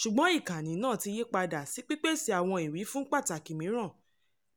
Ṣùgbọ́n ìkànnì náà ti yí padà sí pípèsè àwọn ìwífún pàtàkì mìíràn,